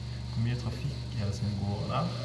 Hvor mye trafikk er det som går der?